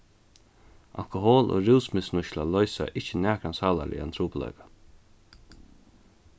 alkohol og rúsmisnýtsla loysa ikki nakran sálarligan trupulleika